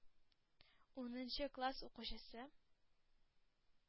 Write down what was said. Унынчы класс укучысы